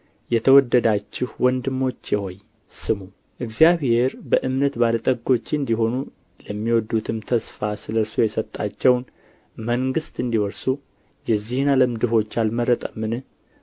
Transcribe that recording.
የተወደዳችሁ ወንድሞቼ ሆይ ስሙ እግዚአብሔር በእምነት ባለ ጠጎች እንዲሆኑ ለሚወዱትም ተስፋ ስለ እርሱ የሰጣቸውን መንግሥት እንዲወርሱ የዚህን ዓለም ድሆች አልመረጠምን